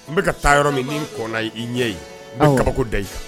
N bɛka ka taa yɔrɔ min min kɔnɔ i ɲɛ ye kaba da ye